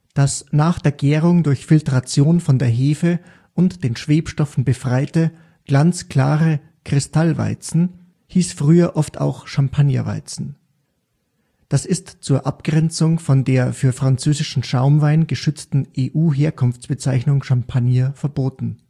Das nach der Gärung durch Filtration von der Hefe und den Schwebstoffen befreite, glanzklare Kristallweizen hieß früher oft auch Champagnerweizen; das ist zur Abgrenzung von der für französischen Schaumwein geschützten EU-Herkunftsbezeichnung Champagner verboten